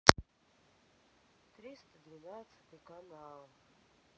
триста двенадцатый канал